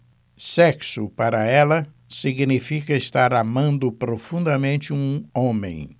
sexo para ela significa estar amando profundamente um homem